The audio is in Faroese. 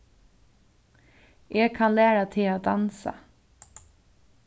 eg kann læra teg at dansa